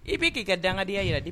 I bɛ k'i ka dangadenyaya jira di